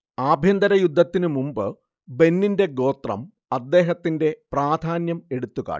ആഭ്യന്തരയുദ്ധത്തിനുമുമ്പ് ബെന്നിന്റെ ഗോത്രം അദ്ദേഹത്തിന്റെ പ്രാധാന്യം എടുത്തുകാട്ടി